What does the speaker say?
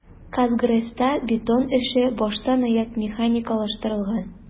"казгрэс"та бетон эше баштанаяк механикалаштырылган.